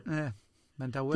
Ie, mae'n dawel.